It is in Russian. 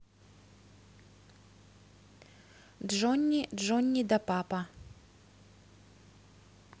джонни джонни да папа